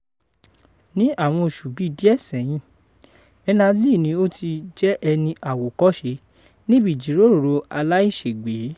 Ní àwọn oṣù bí díẹ̀ ṣẹ́yìn, Berners-Lee ni ó ti jẹ́ ẹní àwòkọ́ṣe níbi ìjíròrò aláìṣègbè.